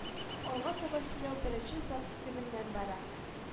Алга таба сөйләү беренче зат исеменнән бара